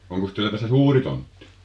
onkos teillä tässä suuri tontti